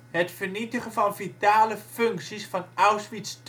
Het vernietigen van vitale functies van Auschwitz